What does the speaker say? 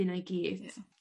hynna i gyd. Ia.